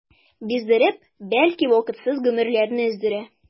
Биздереп, бәлки вакытсыз гомерләрне өздерә.